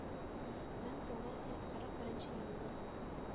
Мең тугыз йөз кырык беренче елның